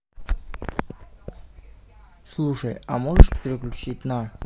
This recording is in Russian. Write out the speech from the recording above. слушай а можешь переключить на